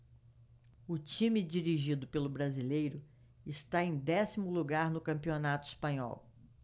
o time dirigido pelo brasileiro está em décimo lugar no campeonato espanhol